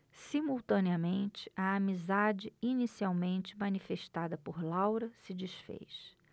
simultaneamente a amizade inicialmente manifestada por laura se disfez